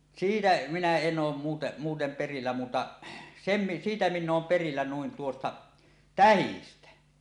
siitä minä en ole muuten muuten perillä muuta sen - siitä minä olen perillä noin tuosta tähdistä